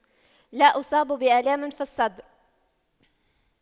لا اصاب بآلام في الصدر